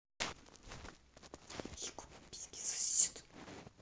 егор письки сосет